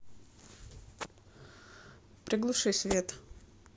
приглуши свет